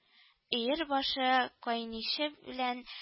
Өер башы каенише белән